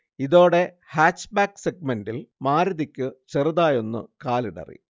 ഇതോടെ ഹാച്ച്ബാക്ക് സെഗ്മന്റെിൽ മാരുതിക്ക് ചെറുതായൊന്ന് കാലിടറി